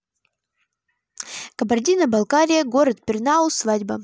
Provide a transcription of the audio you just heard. кабардино балкария город пернау свадьба